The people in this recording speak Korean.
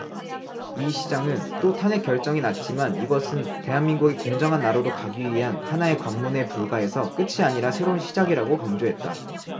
이 시장은 또 탄핵 결정이 났지만 이것은 대한민국이 공정한 나라로 가기 위한 하나의 관문에 불과해서 끝이 아니라 새로운 시작이라고 강조했다